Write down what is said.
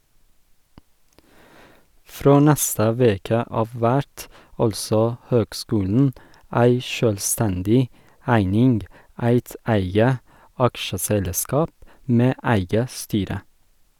Frå neste veke av vert altså høgskulen ei sjølvstendig eining, eit eige aksjeselskap med eige styre.